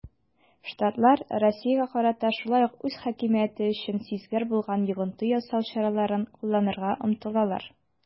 Штатлар Россиягә карата шулай ук үз хакимияте өчен сизгер булган йогынты ясау чараларын кулланырга омтылалар.